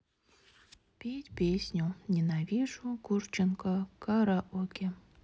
петь песню ненавижу гурченко караоке